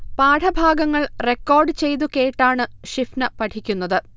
പാഠഭാഗങ്ങൾ റക്കോർഡ് ചെയ്തു കേട്ടാണു ഷിഫ്ന പഠിക്കുന്നത്